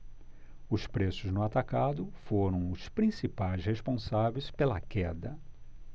os preços no atacado foram os principais responsáveis pela queda